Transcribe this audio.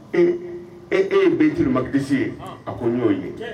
E ye bɛn a ko n y'o ye.